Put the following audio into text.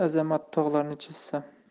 azamat tog'larni chizsam